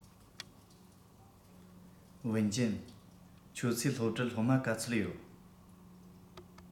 ཝུན ཅུན ཁྱོད ཚོའི སློབ གྲྭར སློབ མ ག ཚོད ཡོད